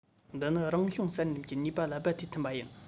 འདི ནི རང བྱུང བསལ འདེམས ཀྱི ནུས པ ལ རྦད དེ མཐུན པ ཡིན